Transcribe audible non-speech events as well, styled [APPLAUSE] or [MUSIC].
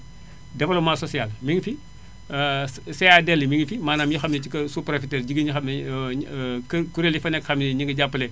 développement social mi ngi fi [HESITATION] CADEL yi mi ngi fi maanaam ñi nga xam ne ci kaw ** jigéen ñi nga xam ne [HESITATION] kuréel ya fa nekk xam ne ñoo ngi jàppale